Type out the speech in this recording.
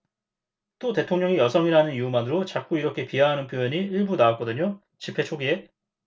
또 대통령이 여성이라는 이유만으로 자꾸 이렇게 비하하는 표현이 일부 나왔거든요 집회 초기에